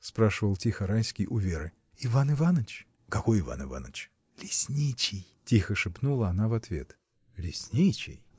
— спрашивал тихо Райский у Веры. — Иван Иваныч. — Какой Иван Иваныч? — Лесничий! — тихо шепнула она в ответ. — Лесничий?.